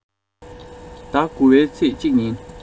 ཟླ ཚེས ཉིན